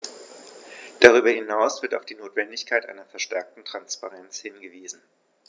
Darüber hinaus wird auf die Notwendigkeit einer verstärkten Transparenz hingewiesen.